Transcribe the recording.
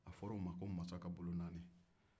a fɔra o ma ko masa ka bolonaani